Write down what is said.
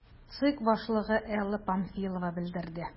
ЦИК башлыгы Элла Памфилова белдерде: